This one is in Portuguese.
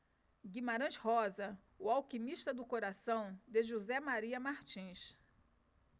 guimarães rosa o alquimista do coração de josé maria martins